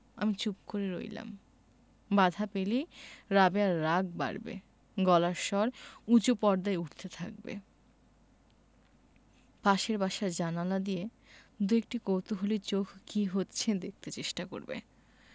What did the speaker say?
আমি চুপ করে রইলাম বাধা পেলেই রাবেয়ার রাগ বাড়বে গলার স্বর উচু পর্দায় উঠতে থাকবে পাশের বাসার জানালা দিয়ে দুএকটি কৌতুহলী চোখ কি হচ্ছে দেখতে চেষ্টা করবে